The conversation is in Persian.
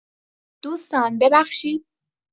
دوستان ببخشید